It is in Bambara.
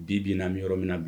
Bin bɛ' mi yɔrɔ minna na